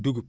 dugub